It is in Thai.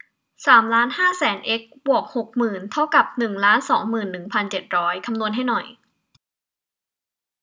สามล้านห้าแสนเอ็กซ์บวกหกหมื่นเท่ากับหนึ่งล้านสองหมื่นหนึ่งพันเจ็ดร้อยคำนวณให้หน่อย